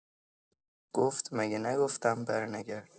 گفت مگه نگفتم برنگرد!